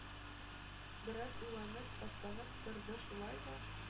Бераз уйланып, таптанып торды, шулай да